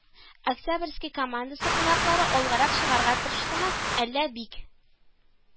Октябрьский командасы кунаклары алгарак чыгарырга тырыштымы, әллә бик